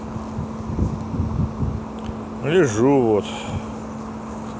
лежу вот